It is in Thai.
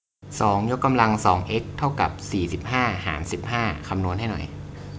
สองยกกำลังสองเอ็กซ์เท่ากับสี่สิบห้าหารสิบห้าคำนวณให้หน่อย